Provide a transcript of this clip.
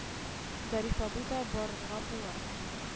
Зариф абый да барырга була